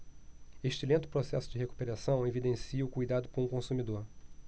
este lento processo de recuperação evidencia o cuidado com o consumidor